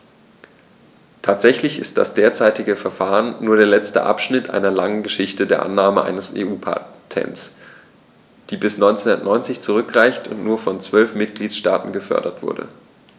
Tatsächlich ist das derzeitige Verfahren nur der letzte Abschnitt einer langen Geschichte der Annahme eines EU-Patents, die bis 1990 zurückreicht und nur von zwölf Mitgliedstaaten gefordert wurde.